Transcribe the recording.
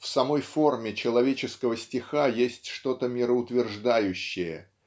В самой форме человеческого стиха есть что-то мироутверждающее